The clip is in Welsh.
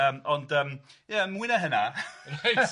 Yym ond yym ia mwy na hynna. Reit.